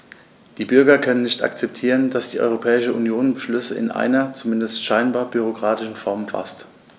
Die Bürger können nicht akzeptieren, dass die Europäische Union Beschlüsse in einer, zumindest scheinbar, bürokratischen Form faßt.